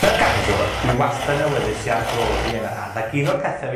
Fel garddwr, wi wastad yn awyddus i arbrofi yn yr ardd, ac un o'r pethe fi